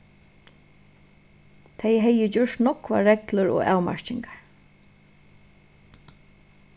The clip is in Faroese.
tey hevði gjørt nógvar reglur og avmarkingar